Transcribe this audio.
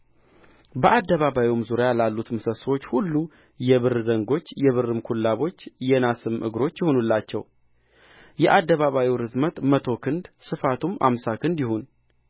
በአደባባዩም ዙሪያ ላሉት ምሰሶች ሁሉ የብር ዘንጎች የብርም ኩላቦች የናስም እግሮች ይሁኑላቸው የአደባባዩ ርዝመት መቶ ክንድ ስፋቱም አምሳ ክንድ ይሁን